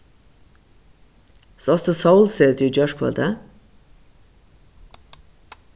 sást tú sólsetrið í gjárkvøldið